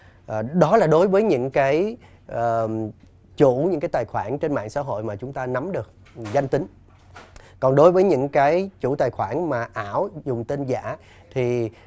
ờ đó là đối với những cái ờm chủ những cái tài khoản trên mạng xã hội mà chúng ta nắm được danh tính còn đối với những cái chủ tài khoản mà ảo dùng tên giả thì